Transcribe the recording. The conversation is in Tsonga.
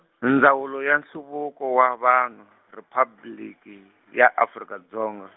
Ndzawulo ya Nhluvuko wa Vanhu , Riphabliki, ya Afrika Dzonga.